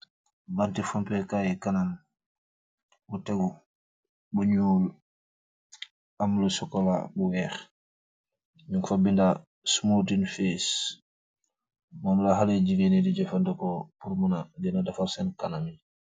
Bantee fonpey kay kanam bu teegu bu nyol am lu sokula ak lu weeh, nug fa beda smoothing face, mum la haleh yu jegain yee de jufaneku purr muna gena defar sen kanam yee.